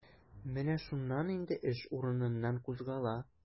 Менә шуннан инде эш урыныннан кузгала.